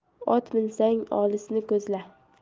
ot minsang olisni ko'zla